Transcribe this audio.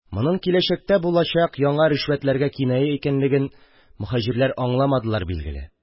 Моның киләчәктә булачак яңа ришвәтләргә киная икәнлеген моһаҗирлар аңламадылар, билгеле.